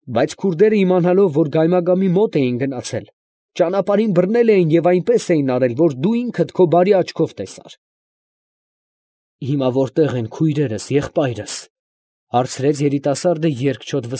Բայց քուրդերը իմանալով, որ գայմագամի մոտ էին գնացել, ճանապարհին բռնել էին և այնպես էին արել, որ դու ինքդ քո բարի աչքով տեսար… ֊ Հիմա ո՞րտեղ են քույրերս, եղբայրս, ֊ հարցրեց երիտասարդը, երկչոտ։